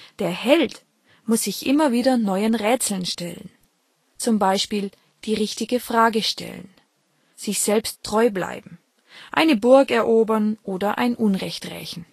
Der Held muss sich immer wieder neuen Rätseln stellen, z. B. die richtige Frage stellen, sich selbst treu bleiben, eine Burg erobern oder ein Unrecht rächen